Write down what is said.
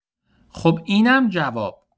خب اینم جواب